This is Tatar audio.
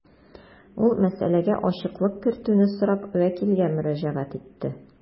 Ул мәсьәләгә ачыклык кертүне сорап вәкилгә мөрәҗәгать итте.